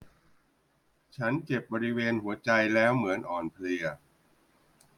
ฉันเจ็บบริเวณหัวใจแล้วเหมือนอ่อนเพลีย